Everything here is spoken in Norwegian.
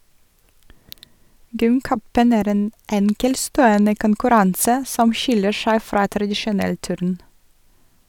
Gymcupen er en enkeltstående konkurranse som skiller seg fra tradisjonell turn.